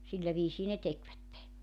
sillä viisiin ne tekivät